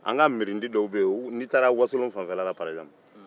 an ka mirindi dɔw bɛ ye n'i taara wasolon fanfɛla la